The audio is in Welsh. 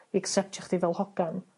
i acseptio chdi fel hogan.